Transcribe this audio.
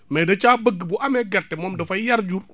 mais da caa bëgg bu amee gerte moom dafay yar jur